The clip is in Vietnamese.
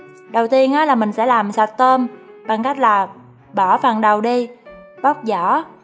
đầu tiên là mình sẽ làm sạch tôm bằng cách là bỏ phần đầu đi bóc vỏ